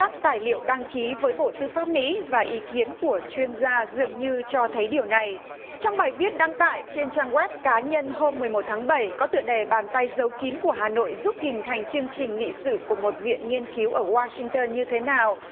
các tài liệu đăng ký với bộ tư pháp mỹ và ý kiến của chuyên gia dường như cho thấy điều này trong bài viết đăng tải trên trang goép cá nhân hôm mười một tháng bảy có tựa đề bàn tay giấu kín của hà nội giúp hình thành chương trình nghị sự của một viện nghiên cứu ở goa sinh tơn như thế nào